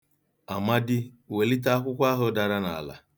Amadi, welite akwụkwọ ahụ dara n'ala.